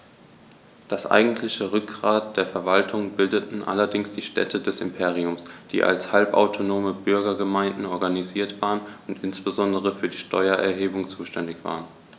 Das eigentliche Rückgrat der Verwaltung bildeten allerdings die Städte des Imperiums, die als halbautonome Bürgergemeinden organisiert waren und insbesondere für die Steuererhebung zuständig waren.